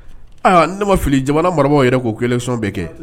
A ne ma fili jamana maraw yɛrɛ k'o kɛ sɔn bɛɛ kɛ